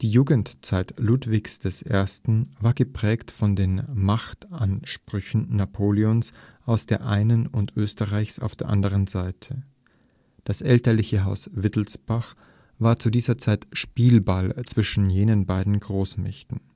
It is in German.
Jugendzeit Ludwigs I. war geprägt von den Machtansprüchen Napoleons auf der einen und Österreichs auf der anderen Seite, das elterliche Haus Wittelsbach war zu dieser Zeit Spielball zwischen jenen beiden Großmächten